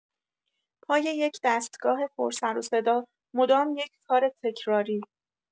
پای یک دستگاه پرسروصدا، مدام یک کار تکراری.